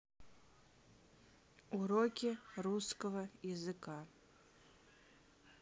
уроки русского языка